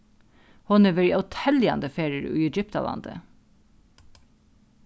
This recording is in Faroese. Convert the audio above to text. hon hevur verið óteljandi ferðir í egyptalandi